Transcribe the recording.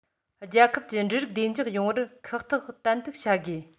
རྒྱལ ཁབ ཀྱི འབྲུ རིགས བདེ འཇགས ཡོང བར ཁག ཐེག ཏན ཏིག བྱ དགོས